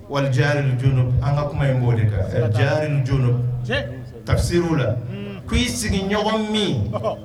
Waliyararijdo an ka kuma in'o de ka diyayarari jdo ta se la k''i sigiɲɔgɔn min